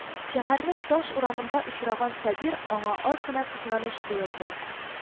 Шәһәрнең таш урамында очраган Сабир аңа аз гына кызганыч тоелды